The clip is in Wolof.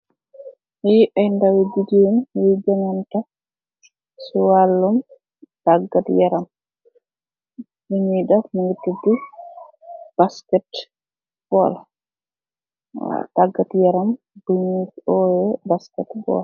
Li ay ndaw yu gudo len yoi jogante si walum tagat yaram lu nyui deff mogi todu basketball moi tagat yaram bo nyu oyeh basketball.